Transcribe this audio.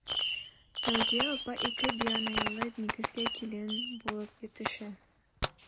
Фәүзия апа ике бианайлы нигезгә килен булып төшә.